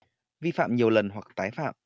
vi phạm nhiều lần hoặc tái phạm